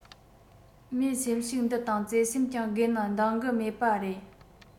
མོས སེམས ཤུགས འདི དང བརྩེ སེམས ཀྱང དགོས ན འདང གི མེད པ རེད